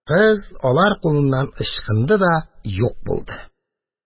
Кыз алар кулыннан ычкынды да юк булды.